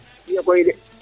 iyo koy de